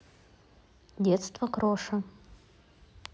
детство кроша